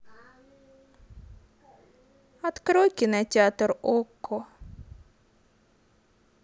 открой кинотеатр окко